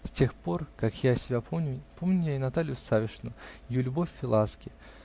С тех пор как я себя помню, помню я и Наталью Савишну, ее любовь и ласки